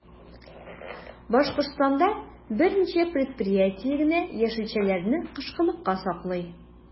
Башкортстанда берничә предприятие генә яшелчәләрне кышкылыкка саклый.